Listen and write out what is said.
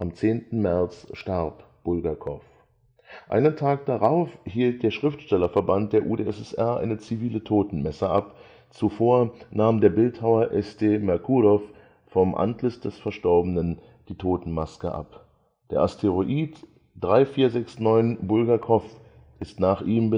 10. März starb Bulgakow. Einen Tag darauf hielt der Schriftstellerverband der UdSSR eine zivile Totenmesse ab. Zuvor nahm der Bildhauer S. D. Merkurow vom Antlitz des Verstorbenen die Totenmaske ab. Der Asteroid 3469 Bulgakov ist nach ihm benannt